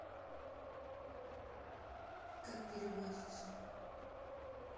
как переводится